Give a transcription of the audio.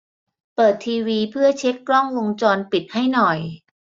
เปิดทีวีเพื่อเช็คกล้องวงจรปิดให้หน่อย